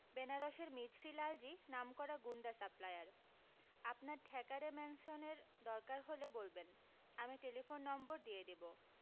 বেনারসের মিছরী লালজী নামকরা গুণ্ডা সাপ্লায়ার আপনার থ্যাকারে ম্যানসনের দরকার হলে বলবেন আমি টেলিফোন নম্বর দিয়ে দেবো